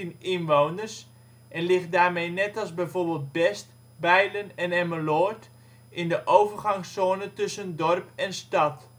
inwoners en ligt daarmee net als bijvoorbeeld Best, Beilen en Emmeloord in de overgangszone tussen dorp en stad